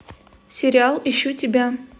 сериал ищу тебя